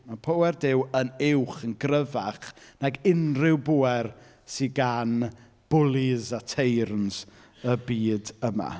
Ma' pŵer Duw yn uwch, yn gryfach nag unryw bŵer sy gan bwlis a teyrns y byd yma.